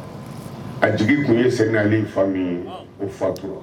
A jigi tun ye seginnalen fa min ye o fatura